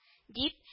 — дип